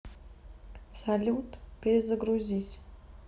салют перезагрузись